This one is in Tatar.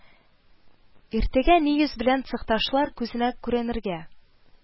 Иртәгә ни йөз белән цехташлар күзенә күренергә